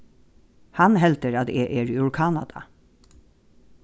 hann heldur at eg eri úr kanada